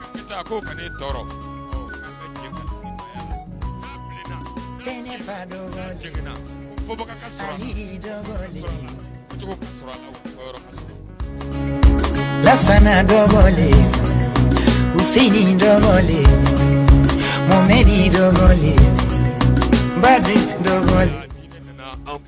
Dɔn u sedɔnɔrɔlen bɛ didɔnlen ba den dɔn